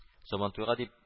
Сабантуйга дип